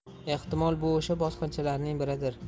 ehtimol bu o'sha bosqinchilarning biridir